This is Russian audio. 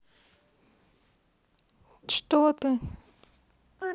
что ты